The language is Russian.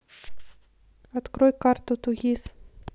открой карту тугис